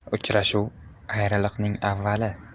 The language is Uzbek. uchrashuv ayriliqning avvali